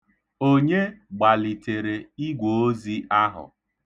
Onye gbalitere igwoozi ahụ?